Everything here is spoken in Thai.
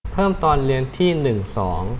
เพิ่มตอนเรียนที่หนึ่งสอง